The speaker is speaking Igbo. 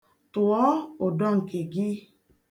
Tụọ ụdọ nke gị.